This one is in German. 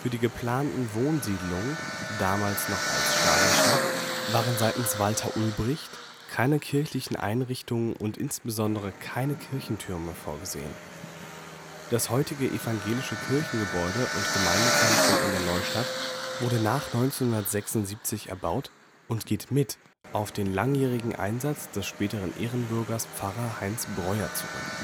die geplanten Wohnsiedlungen, damals noch als Stalinstadt, waren seitens Walter Ulbricht keine kirchlichen Einrichtungen und insbesondere keine Kirchtürme vorgesehen. Das heutige evangelische Kirchengebäude und Gemeindezentrum in der Neustadt wurde nach 1976 erbaut und geht mit auf den langjährigen Einsatz des späteren Ehrenbürgers Pfarrer Heinz Bräuer zurück